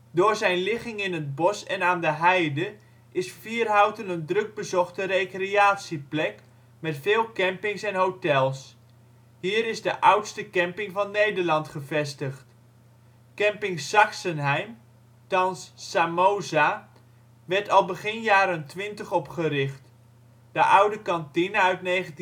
Door zijn ligging in het bos en aan de heide is Vierhouten een druk bezochte recreatieplek, met veel campings en hotels. Hier is de oudste camping van Nederland gevestigd. Camping " Saxenheim " (thans " Samoza ") werd al begin jaren 20 opgericht. De oude kantine uit 1927